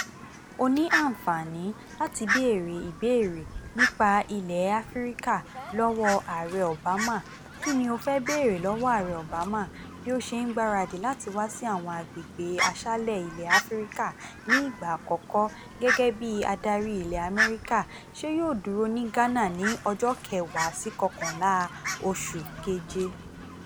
O ní àǹfààní láti beèrè ìbéèrè nípa ilẹ̀ Áfíríkà lọ́wọ Aàrẹ Obama: Kí ni o fẹ́ bèèrè lọ́wọ Aàrẹ Obama bí ó ṣe ń gbaradì láti wá sí àwọn agbègbè aṣálẹ̀ ilẹ̀ Áfíríkà ní ìgbà àkọ́kọ́ gẹ́gẹ́ bi adarí ilẹ̀ Àmẹ́ríkà – ṣé yóò dúró ní Ghana ni July 10-11?